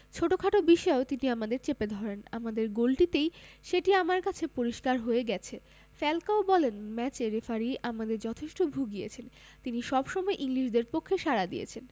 ছোটখাট বিষয়েও তিনি আমাদের চেপে ধরেন আমাদের গোলটিতেই সেটি আমার কাছে পরিস্কার হয়ে গেছে ফ্যালকাও বলেন ম্যাচে রেফারি আমাদের যথেষ্ট ভুগিয়েছেন তিনি সবসময় ইংলিশদের পক্ষে সাড়া দিয়েছেন